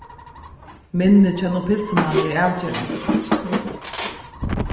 minnið hjá einum pylsumanni er avgerandi